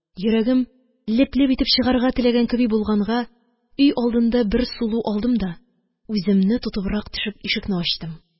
Йөрәгем леп-леп итеп чыгарга теләгән кеби булганга, өйалдында бер сулу алдым да, үземне тотыбрак төшеп, ишекне ачтым